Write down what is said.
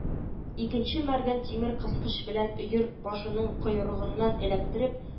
Икенче мәргән тимер кыскыч белән Өер башының койрыгыннан эләктереп